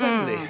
ja.